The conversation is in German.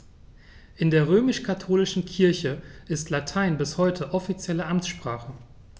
In der römisch-katholischen Kirche ist Latein bis heute offizielle Amtssprache.